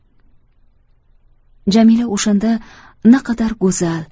jamila o'shanda naqadar go'zal